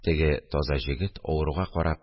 Теге таза җегет, авыруга карап: